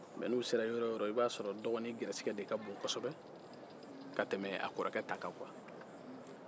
mɛ n'u sera yɔrɔ yɔrɔ i b'a sɔrɔ dɔgɔnin gɛrɛsɛkɛ ka bon kosɛbɛ ka tɛmɛ kɔrɔkɛ ta kan